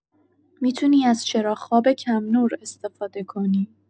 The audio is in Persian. می‌تونی از چراغ‌خواب کم‌نور استفاده کنی.